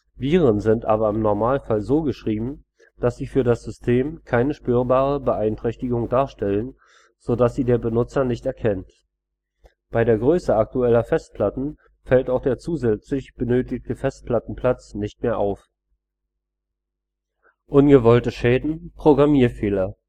Viren sind aber im Normalfall so geschrieben, dass sie für das System keine spürbare Beeinträchtigung darstellen, so dass sie der Benutzer nicht erkennt. Bei der Größe aktueller Festplatten fällt auch der zusätzlich benötigte Festplattenplatz nicht mehr auf. Ungewollte Schäden – Programmierfehler